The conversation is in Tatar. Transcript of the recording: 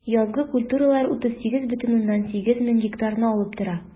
Язгы культуралар 38,8 мең гектарны алып тора.